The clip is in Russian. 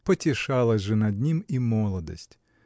Потешалась же над ним и молодость.